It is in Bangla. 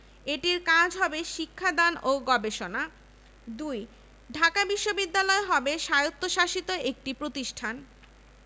পাঠানোর সিদ্ধান্ত হয় ওই বছর ১৮ মার্চ এটি আইনে পরিণত হয় ১৯২০ সালের ২৩ March the Dhaka university act governor জেনারেলের অনুমোদন লাভ করে